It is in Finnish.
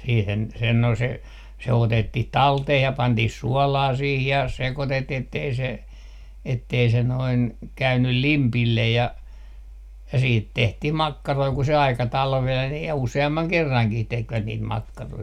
siihen sen no se se otettiin talteen ja pantiin suolaa siihen ja sekoitettiin että ei se että ei se noin käynyt limpille ja ja siitä tehtiin makkaroita kun se aika talveen ja useamman kerrankin tekivät niitä makkaroita